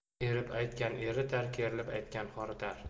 erib aytgan eritar kerilib aytgan horitar